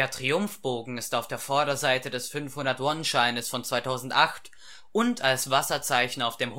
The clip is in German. Triumphbogen ist auf der Vorderseite des 500-Won-Scheines von 2008 und als Wasserzeichen auf dem